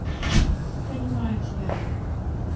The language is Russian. понимаю тебя